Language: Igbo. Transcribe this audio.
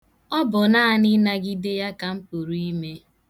Ọ bụ naanị ịnagịde ya ka m pụrụ ime.